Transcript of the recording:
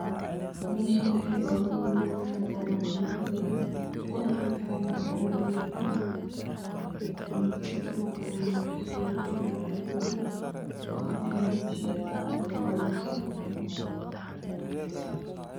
Meshani waa mell miis ah oo maqayad ah saxan cadan ah ayaa yala cunto bur ah yal ku jirta oo la shiilay gaxan ayaa mesha saxanka ka qadaysa